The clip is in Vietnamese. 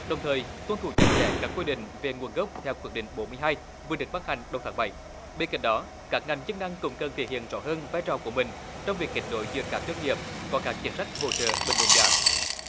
đồng thời tuân thủ chặt chẽ các quy định về nguồn gốc theo quyết định bốn mươi hai vừa được ban hành đầu tháng bảy bên cạnh đó các ngành chức năng cũng cần thể hiện rõ hơn vai trò của mình trong việc kết nối giữa các doanh nghiệp có các chính sách hỗ trợ bình ổn giá